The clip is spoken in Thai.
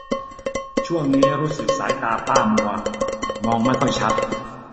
ช่วงนี้รู้สึกสายตาพร่ามัวมองไม่ค่อยชัด